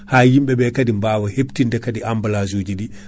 ha yimɓeɓe kaadi mbawa hebtinde kaadi emballage uji